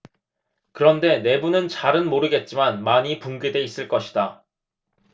그런데 내부는 잘은 모르겠지만 많이 붕괴돼 있을 것이다